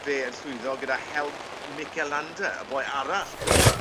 Fe yn llwyddo gyda help Mikel Landa y boi arall cryfa...